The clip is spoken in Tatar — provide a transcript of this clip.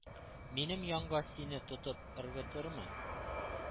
Минем янга сине тотып ыргытырмы?